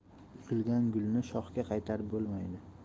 uzilgan gulni shoxga qaytarib bo'lmaydi